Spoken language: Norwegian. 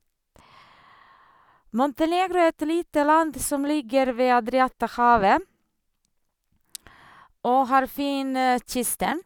Montenegro er et lite land som ligger ved Adriaterhavet og har fin kysten.